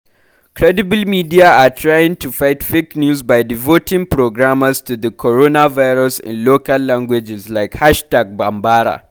Credible media are trying to fight fake news by devoting programmes to the coronavirus in local languages like #bambara